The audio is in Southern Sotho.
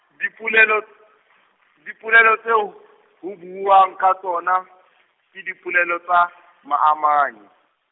dipolelo , dipolelo tseo, ho buuwang ka tsona, ke dipolelo tsa, maamanyi.